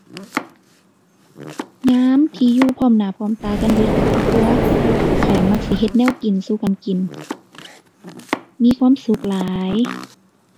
ยามที่อยู่พร้อมหน้าพร้อมตากันเบิดครอบครัว ข้อยมักสิเฮ็ดแนวกินสู่กันกิน มีความสุขหลาย